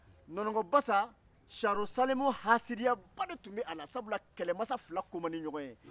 nɔnɔnkɔ basa saro salimu hasidiyaba de tun bɛ a la sabula kɛlɛmasa fila ko man di ɲɔgɔn ye